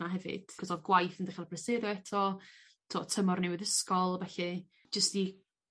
'na hefyd 'c'os odd gwaith yn ddechra prysuro eto t'o' tymor newydd ysgol felly jyst i